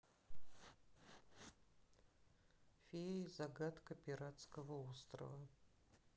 феи загадка пиратского острова